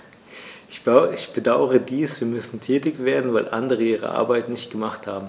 Ich bedauere dies, denn wir müssen tätig werden, weil andere ihre Arbeit nicht gemacht haben.